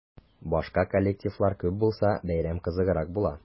Башка коллективлар күп булса, бәйрәм кызыграк була.